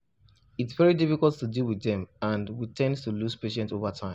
It’s very difficult to deal with them and we tend to lose patience over time.